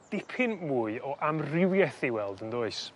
dipyn mwy o amrywieth i weld yndoes?